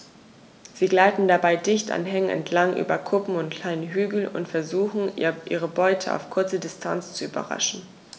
Sie gleiten dabei dicht an Hängen entlang, über Kuppen und kleine Hügel und versuchen ihre Beute auf kurze Distanz zu überraschen.